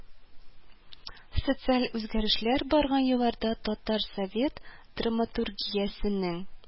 Социаль үзгәрешләр барган елларда татар совет драматургиясенең